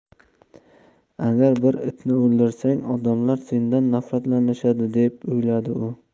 agar bir itni o'ldirsang odamlar sendan nafratlanishadi deb o'yladi u